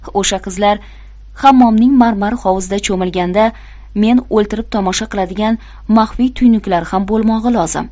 o'sha qizlar hammomning marmar hovuzida cho'milganda men o'ltirib tomosha qiladigan maxfiy tuynuklari ham bo'lmog'i lozim